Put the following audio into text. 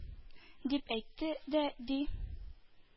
— дип әйтте дә, ди